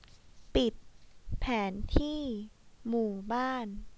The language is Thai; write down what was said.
ปิดแผนที่หมู่บ้าน